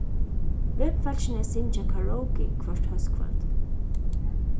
vinfólkini syngja karaoke hvørt hóskvøld